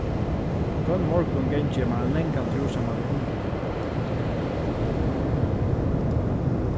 hvønn morgun gangi eg mær ein langan túr saman við hundinum